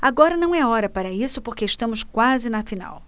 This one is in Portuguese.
agora não é hora para isso porque estamos quase na final